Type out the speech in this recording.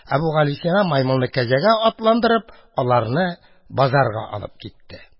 Әбүгалисина, маймылны кәҗәгә атландырып, аларны базарга алып китте.